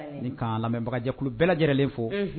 Ni' lamɛnbagajɛkulu bɛɛ lajɛlenlen fo